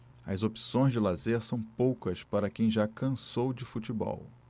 as opções de lazer são poucas para quem já cansou de futebol